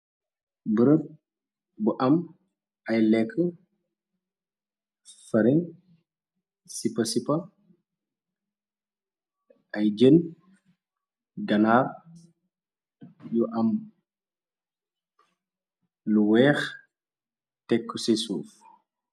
Bereb bu am ay lekk farin sipa-sipa ay jën ganaar yu am lu weex tekk ci suuf.